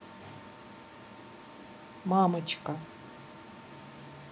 мамочка